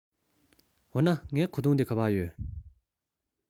འོ ན ངའི གོས ཐུང དེ ག པར ཡོད